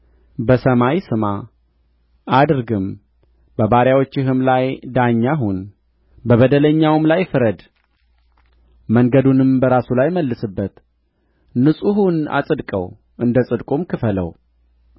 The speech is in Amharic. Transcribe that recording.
በሰማይ ስማ አድርግም በባሪያዎችህም ላይ ዳኛ ሁን በበደለኛውም ላይ ፍረድ መንገዱንም በራሱ ላይ መልስበት ንጹሑን አጽድቀው እንደ ጽድቁም ክፈለው